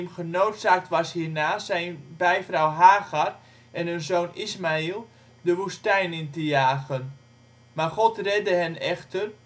genoodzaakt was hierna zijn (bij) vrouw Hagar en hun zoon Ismail de woestijn in te jagen. Maar God redde hen echter